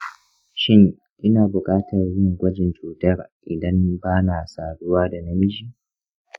shin ina buƙatar yin gwajin cutar idan ba na saduwa da namiji?